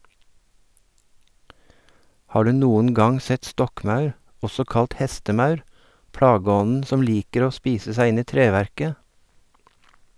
Har du noen gang sett stokkmaur, også kalt hestemaur, plageånden som liker å spise seg inn i treverket?